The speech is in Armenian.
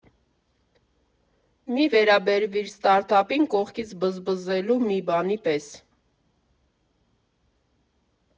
Մի՛ վերաբերվիր ստարտափին կողքից բզբզելու մի բանի պես։